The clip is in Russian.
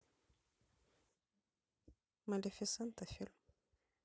малифисента фильм